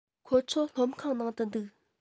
ཁོ ཚོ སློབ ཁང ནང དུ འདུག